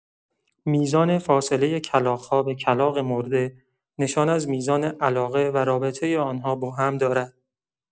میزان فاصله کلاغ‌ها به کلاغ مرده نشان از میزان علاقه و رابطه آن‌ها باهم دارد.